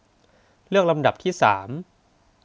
เลือกลำดับที่สาม